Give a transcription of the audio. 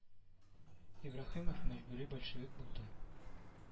Ибраһимов мәҗбүри большевик булды